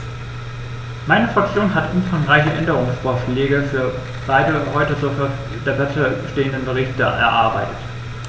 Meine Fraktion hat umfangreiche Änderungsvorschläge für beide heute zur Debatte stehenden Berichte erarbeitet.